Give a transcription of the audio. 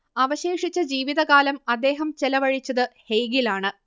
അവശേഷിച്ച ജീവിതകാലം അദ്ദേഹം ചെലവഴിച്ചത് ഹേഗിലാണ്